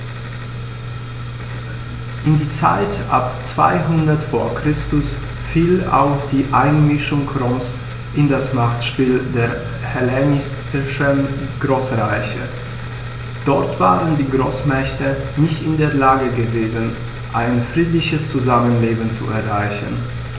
In die Zeit ab 200 v. Chr. fiel auch die Einmischung Roms in das Machtspiel der hellenistischen Großreiche: Dort waren die Großmächte nicht in der Lage gewesen, ein friedliches Zusammenleben zu erreichen.